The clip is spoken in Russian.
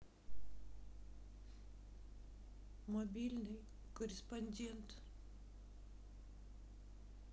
мобильный корреспондент